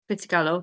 Be ti'n galw?